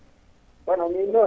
kono miin noon